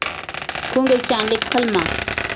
ko'ngilchanlik qilma